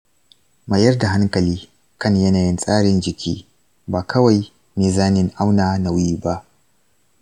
mayar da hankali kan yanayin tsarin jiki, ba kawai mizanin auna nauyi ba.